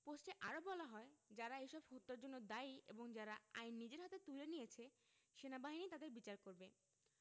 পোস্টে আরো বলা হয় যারা এসব হত্যার জন্য দায়ী এবং যারা আইন নিজের হাতে তুলে নিয়েছে সেনাবাহিনী তাদের বিচার করবে